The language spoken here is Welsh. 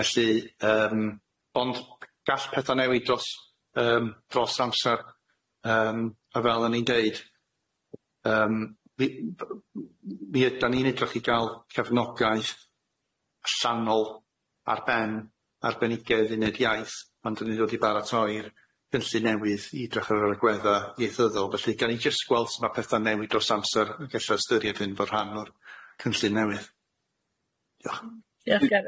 Felly yym ond gall petha newid dros yym dros amsar yym a fel o'n i'n deud yym fi mi ydan ni'n edrych i ga'l cefnogaeth allanol ar ben arbenigedd uneud iaith pan dyn ni'n dod i baratoi'r cynllun newydd i edrych ar yr agwedda ieithyddol felly gawn ni jyst gweld ma' petha'n newid dros amser ac ella ystyried hyn fo rhan o'r cynllun newydd. Dioch. Diolch Gareth.